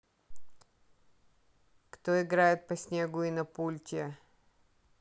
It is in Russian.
кто играет по снегу и на пульте